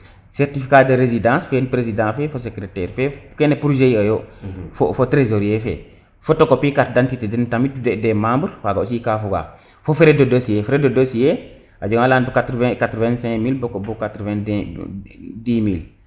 certificat de residence ten president fe fo secretaire fe kene pour GIE yo fo trésorier fe photocopie carte d' identité den tamit des membre oxaga aussi ka foga fo frais de dossier frais de dossier a jega wana leya bo 85000 bo 90000